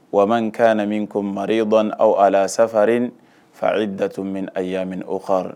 Wa mane kaana minkoum maridɔne aw ala safarine, a idatoune mine ayamine oukhare.